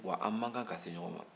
wa an man kan ka se ɲɔgɔn ma